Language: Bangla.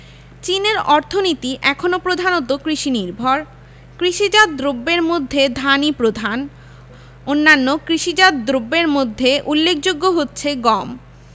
চীনের অর্থনীতি এখনো প্রধানত কৃষিনির্ভর কৃষিজাত দ্রব্যের মধ্যে ধানই প্রধান অন্যান্য কৃষিজাত দ্রব্যের মধ্যে উল্লেখযোগ্য হচ্ছে গম